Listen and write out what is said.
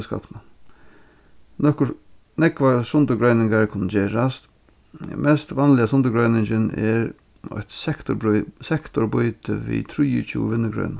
búskapinum nógvar sundurgreiningar kunnu gerast mest vanliga sundurgreiningin er eitt sektorbýti við trýogtjúgu vinnugreinum